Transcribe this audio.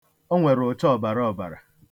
O nwere ụcha ọbaraọbara.